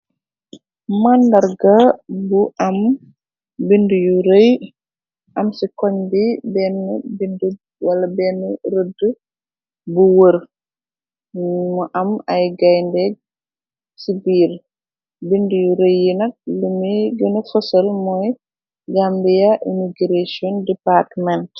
Màndarga bu am bindë yu rëy, am ci koñ bi benn bindë ,wala benn rëddë bu wër, mu am ay gainde si biir. Bindë yu rëyi yi nak, lim gëna fësal mooy Gambia "immigration department."